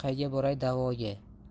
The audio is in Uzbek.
qayga boray da'voga